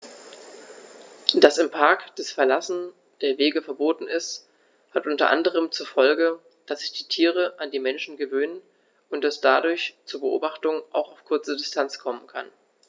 Dass im Park das Verlassen der Wege verboten ist, hat unter anderem zur Folge, dass sich die Tiere an die Menschen gewöhnen und es dadurch zu Beobachtungen auch auf kurze Distanz kommen kann.